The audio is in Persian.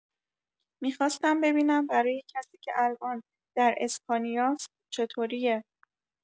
می‌خواستم ببینم برای کسی که الان در اسپانیاست چطوریه؟